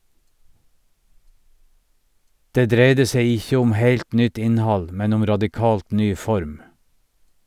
Det dreidde seg ikkje om heilt nytt innhald, men om radikalt ny form.